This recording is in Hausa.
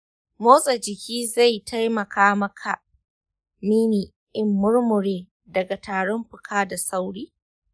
motsa jiki zai taimaka mini in murmure daga tarin fuka da sauri?